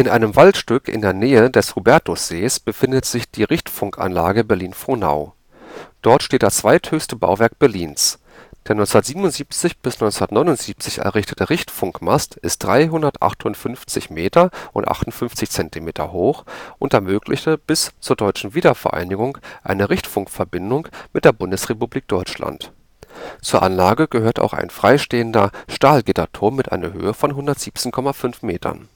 einem Waldstück in der Nähe des Hubertussees befindet sich die Richtfunkanlage Berlin-Frohnau. Dort steht das zweithöchste Bauwerk Berlins. Der 1977 – 1979 errichtete Richtfunkmast ist 358,58 Meter hoch und ermöglichte bis zur deutschen Wiedervereinigung eine Richtfunkverbindung mit der Bundesrepublik Deutschland. Zur Anlage gehört auch ein freistehender Stahlgitterturm mit einer Höhe von 117,5 Metern